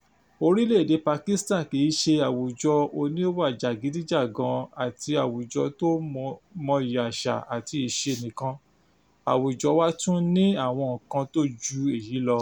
Orílẹ̀-èdè Pakistan kì í ṣe àwùjọ oníwà jàgídíjàgan àti àwùjọ tó mọ̀yi àṣà àtiṣe níkàn, àwùjọ wa tún ní àwọn nǹkan tó ju èyí lọ